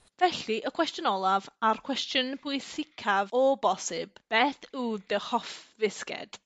Felly y cwestiwn olaf a'r cwestiwn pwysicaf o bosib beth w dy hoff fisged?